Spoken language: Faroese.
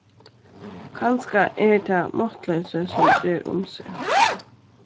kanska er tað máttloysi sum ger um seg